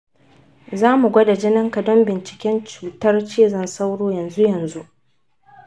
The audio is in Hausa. zamu gwada jinin ka don binciken cutar cizon sauro yanzu-yanzu.